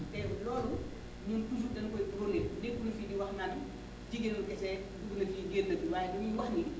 te loolu ñun toujours dañu koy proné nekkuñu fi di wax naan jigéenu kese dugg na fii génn na fii waaye dañuy wax ni